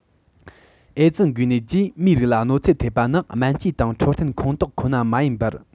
ཨེ ཙི འགོས ནད ཀྱིས མིའི རིགས ལ གནོད འཚེ ཐེབས པ ནི སྨན བཅོས དང འཕྲོད བསྟེན ཁོངས གཏོགས ཁོ ན མ ཡིན པར